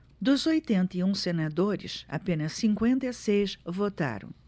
dos oitenta e um senadores apenas cinquenta e seis votaram